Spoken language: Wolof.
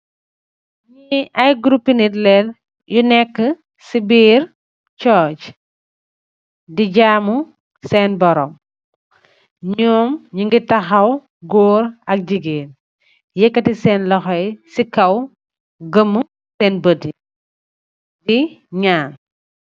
Li ay groupi nit len yu neka si birr church di jamu sen borom nyun nyugi taxaw goor ak jigeen yeketi sen loxo yi si kaw goma sen boti di nyaan.